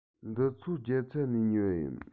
འདི ཚོ རྒྱ ཚ ནས ཉོས པ ཡིན